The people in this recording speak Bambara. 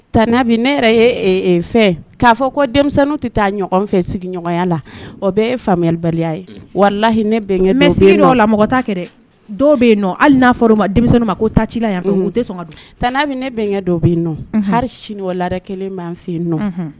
T ne yɛrɛ fɛ k'a fɔ ko denmisɛnninw tɛ taa ɲɔgɔn fɛ sigiɲɔgɔnya la o bɛ e faamuyabali ye wala ne la mɔgɔ kɛ dɔw bɛ yen nɔ hali'a fɔ o denmisɛnnin ma ko ta ci ka yan tan bɛ ne bɛn dɔ bɛ yen nɔ hali sini la kelen bɛ fɛ yen nɔ